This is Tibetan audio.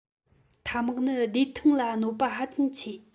ཐ མག ནི བདེ ཐང ལ གནོད པ ཧ ཅང ཆེ